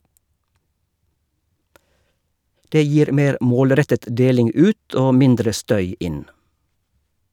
Det gir mer målrettet deling ut, og mindre støy inn.